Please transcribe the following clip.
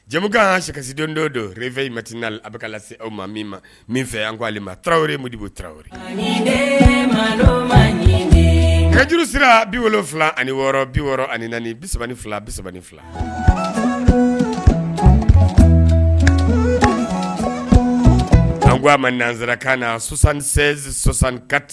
Jamukan sikasidon don mati a aw ma fɛ an koale turadibu kajuru sira bi fila ani wɔɔrɔ bi wɔɔrɔ ani naani bi fila bisa fila an ko a ma nansara ka na sɔsansen sɔsankati